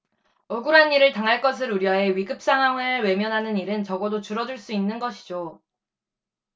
억울한 일을 당할 것을 우려해 위급상황을 외면하는 일은 적어도 줄어들 수 있는 것이죠